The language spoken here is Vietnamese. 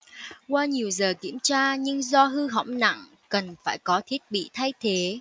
qua nhiều giờ kiểm tra nhưng do hư hỏng nặng cần phải có thiết bị thay thế